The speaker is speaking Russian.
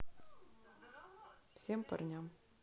всем парням